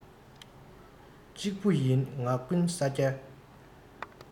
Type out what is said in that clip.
གཅིག པུ ཡིན ང ཀུན ས རྒྱལ